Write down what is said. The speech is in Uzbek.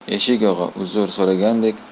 eshik og'a uzr so'ragandek